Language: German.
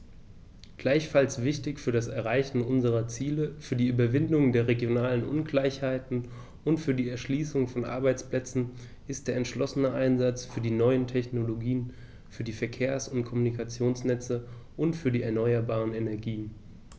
Gleichfalls wichtig für das Erreichen unserer Ziele, für die Überwindung der regionalen Ungleichheiten und für die Erschließung von Arbeitsplätzen ist der entschlossene Einsatz für die neuen Technologien, für die Verkehrs- und Kommunikationsnetze und für die erneuerbaren Energien.